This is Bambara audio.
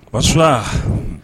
Wakura